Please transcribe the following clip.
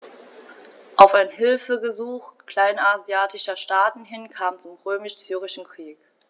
Auf ein Hilfegesuch kleinasiatischer Staaten hin kam es zum Römisch-Syrischen Krieg.